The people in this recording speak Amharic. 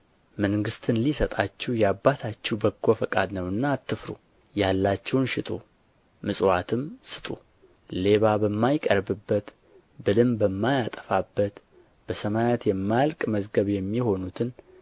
መንግሥትን ሊሰጣችሁ የአባታችሁ በጎ ፈቃድ ነውና አትፍሩ ያላችሁን ሽጡ ምጽዋትም ስጡ ሌባ በማይቀርብበት ብልም በማያጠፋበት በሰማያት የማያልቅ መዝገብ የሚሆኑትን